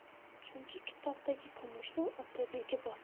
chunki kitobdagi kumushning otabegi bor